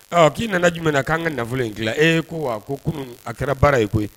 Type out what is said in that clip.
Ɔɔ ki nana jumɛn na . Kan ka nafolo in kilan e ko wa ko kunun a kɛra baara ye koyi